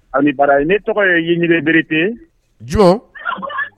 A bara ye ne tɔgɔ ye ye ɲini berete jɔn